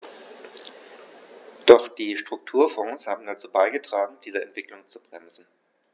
Doch die Strukturfonds haben dazu beigetragen, diese Entwicklung zu bremsen.